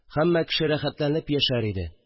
Һәммә кеше рәхәтләнеп яшәр иде